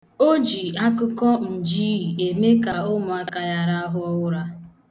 O ji akụkọ njiii eme ka ụmụaka ya rahụa ụra.